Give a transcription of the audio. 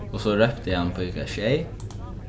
og so rópti hann píkasjey